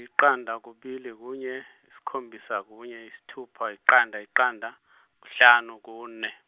yiqanda kubili kunye, isikhombisa kunye isithupha yiqanda yiqanda , kuhlanu kune.